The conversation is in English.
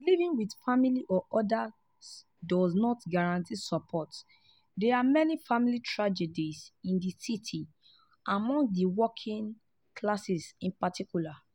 But living with family or others does not guarantee support. There are many family tragedies in the city, among the working classes, in particular.